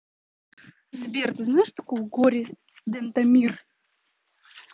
сбер ты знаешь что такое горе дентомир